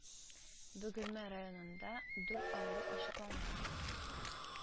Бөгелмә районында дүрт авыру ачыкланган